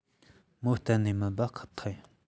མོ གཏན ནས མིན པ ཁག ཐག ཡིན